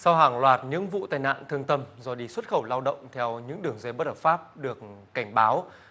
sau hàng loạt những vụ tai nạn thương tâm do đi xuất khẩu lao động theo những đường dây bất hợp pháp được cảnh báo